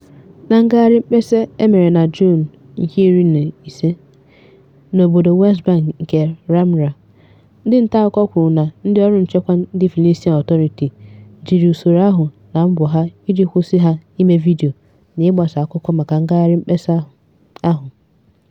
Na ngagharị mkpesa e mere na Juun 15 n'obodo West Bank nke Ramallah, ndị ntaakụkọ kwuru na ndịọrụ nchekwa ndị Palestine Authority jiri usoro ahụ na mbọ ha iji kwụsị ha ime vidiyo na ịgbasa akụkọ maka ngagharị mkpesa ahụ.